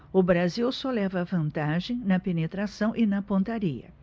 o brasil só leva vantagem na penetração e na pontaria